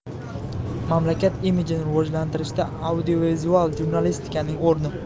mamlakat imijini rivojlantirishda audiovizual jurnalistikaning o'rni